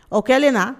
O kɛlen na